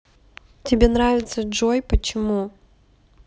тебе нравится джой почему